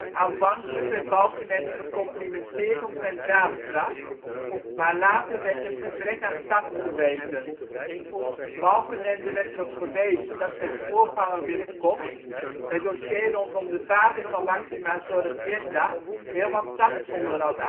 Aanvankelijk werd Balkenende gecomplimenteerd om zijn daadkracht, maar later werd hem gebrek aan tact verweten. Balkenende werd erop gewezen dat zijn voorganger Wim Kok het dossier rondom de vader van Máxima Zorreguieta heel wat tactvoller had